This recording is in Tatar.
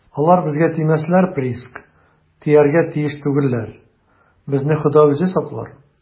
- алар безгә тимәсләр, приск, тияргә тиеш түгелләр, безне хода үзе саклар.